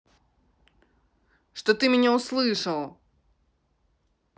что ты меня услышал